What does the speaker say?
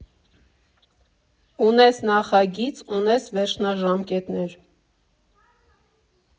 Ունես նախագիծ, ունես վերջնաժամկետներ։